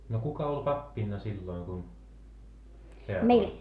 no kuka oli pappina silloin kun häät oli